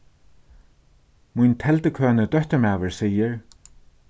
mín teldukøni dótturmaður sigur